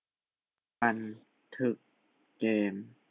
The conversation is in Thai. บันทึกเกม